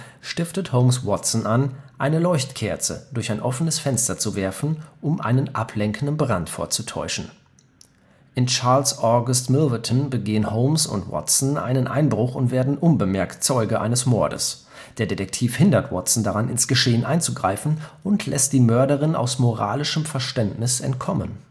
Holmes Watson an, eine Leuchtkerze durch ein offenes Fenster zu werfen, um einen ablenkenden Brand vorzutäuschen. In Charles Augustus Milverton begehen Holmes und Watson einen Einbruch und werden unbemerkt Zeuge eines Mordes; der Detektiv hindert Watson daran, ins Geschehen einzugreifen und lässt die Mörderin aus moralischem Verständnis entkommen